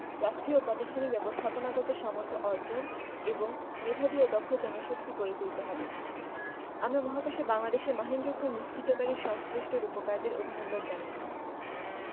রাষ্ট্রীয় ও প্রাতিষ্ঠানিক ব্যবস্থাপনাগত সামর্থ্য অর্জন এবং মেধাবী ও দক্ষ জনশক্তি গড়ে তুলতে হবে আমরা মহাকাশে বাংলাদেশের মাহেন্দ্রক্ষণ নিশ্চিতকারী সংশ্লিষ্ট রূপকারদের অভিনন্দন জানাই